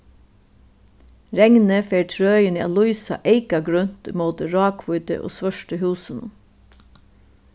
regnið fær trøini at lýsa eyka grønt ímóti ráhvítu og svørtu húsunum